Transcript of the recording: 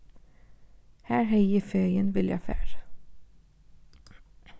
har hevði eg fegin viljað farið